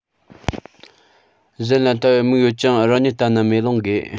གཞན ལ ལྟ བའི མིག ཡོད ཀྱང རང ཉིད ལྟ ན མེ ལོང དགོས